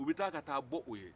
u bɛ taa ka taa b'o ye